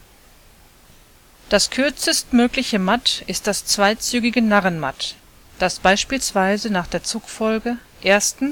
kürzestmögliche Matt ist das zweizügige Narrenmatt, das nach der Zugfolge 1.